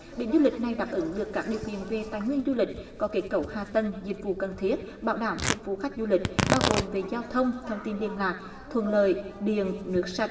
điểm du lịch này đáp ứng được các điều kiện về tài nguyên du lịch có kết cấu hạ tầng dịch vụ cần thiết bảo đảm phục vụ khách du lịch bao gồm về giao thông thông tin liên lạc thuận lợi điện nước sạch